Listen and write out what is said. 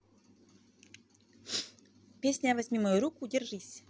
песня возьми мою руку держись